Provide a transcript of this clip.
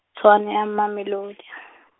Tshwane a Mamelodi.